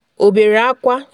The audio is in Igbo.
Ọ bere akwa”?””